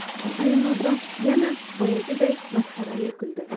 alimardon yana boyagiday masxarali kuldi